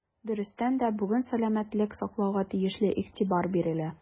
Дөрестән дә, бүген сәламәтлек саклауга тиешле игътибар бирелә.